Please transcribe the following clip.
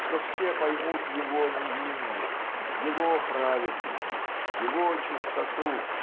что все поймут Его невинность Его праведность Его чистоту